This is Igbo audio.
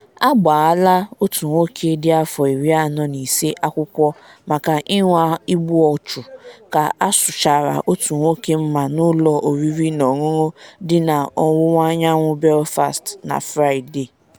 Agbaala otu nwoke dị afọ 45 akwụkwọ maka ịnwa igbu ọchụ, ka asụchara otu nwoke mma n’ụlọ oriri na ọṅụṅụ dị na ọwụwa anyanwụ Belfast na Fraịde.